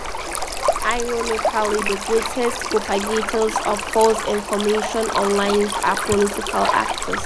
Ironically, the greatest propagators of false information online are political actors.